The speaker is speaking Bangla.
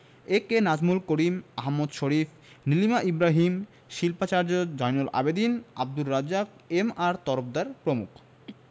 এ.কে নাজমুল করিম আহমদ শরীফ নীলিমা ইব্রাহীম শিল্পাচার্য জয়নুল আবেদীন আবদুর রাজ্জাক এম.আর তরফদার প্রমুখ